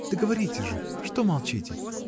— Да говорите же, что молчите!